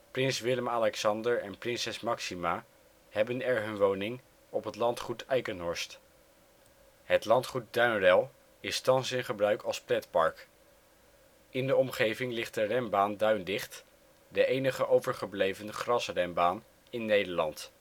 Prins Willem-Alexander en prinses Máxima hebben er hun woning op het landgoed Eikenhorst. Het landgoed Duinrell is thans in gebruik als pretpark. In de omgeving ligt de renbaan Duindigt, de enige overgebleven gras-renbaan in Nederland